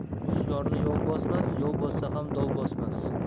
hushyorni yov bosmas yov bossa ham dov bosmas